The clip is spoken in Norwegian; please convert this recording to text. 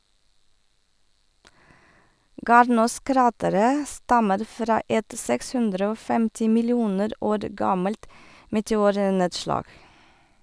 Gardnoskrateret stammer fra et 650 millioner år gammelt meteornedslag.